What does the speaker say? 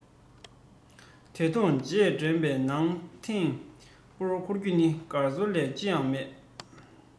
དེ མཐོང རྗེས དྲན པའི ནང ཐེངས དང པོར འཁོར རྒྱུ ནི དགའ ཚོར ལས ཅི ཡང མེད